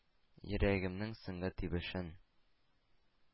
Йөрәгемнең соңгы тибешен!